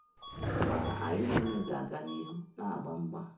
Mana anyị niile ga-aga n’ihu na agba mgba.”